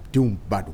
Denw ba don